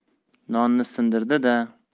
nonni sindirdi da